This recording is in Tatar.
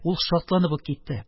Ул шатланып ук китте,